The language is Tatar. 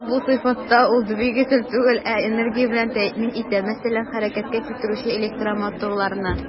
Бу сыйфатта ул двигатель түгел, ә энергия белән тәэмин итә, мәсәлән, хәрәкәткә китерүче электромоторларны.